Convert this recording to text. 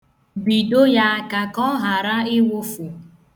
Bido ya aka ka ọ ghara ịwụfụ.